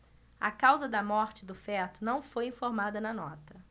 a causa da morte do feto não foi informada na nota